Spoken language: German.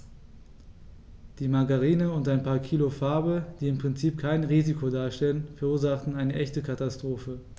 Die Margarine und ein paar Kilo Farbe, die im Prinzip kein Risiko darstellten, verursachten eine echte Katastrophe.